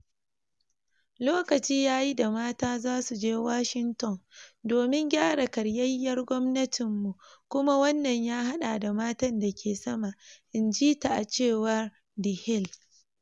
"Lokaci ya yi da mata za su je Washington domin gyara karyayyiyar gwamnatinmu kuma wannan ya hada da matan dake sama," in ji ta, a cewar The Hill.